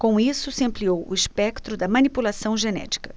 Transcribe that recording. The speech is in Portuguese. com isso se ampliou o espectro da manipulação genética